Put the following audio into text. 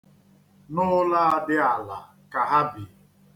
N'ụlọ a dị ala ka ha bi.